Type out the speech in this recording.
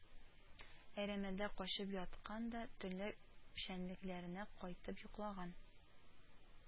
Әрәмәдә качып яткан да төнлә печәнлекләренә кайтып йоклаган